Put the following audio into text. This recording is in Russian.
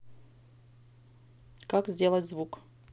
как сделать звук